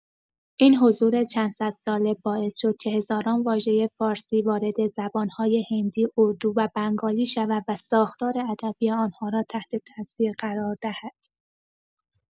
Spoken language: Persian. این حضور چندصدساله باعث شد که هزاران واژه فارسی وارد زبان‌های هندی، اردو و بنگالی شود و ساختار ادبی آن‌ها را تحت‌تأثیر قرار دهد.